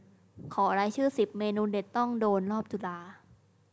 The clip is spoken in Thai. ขอรายชื่อสิบเมนูเด็ดต้องโดนรอบจุฬา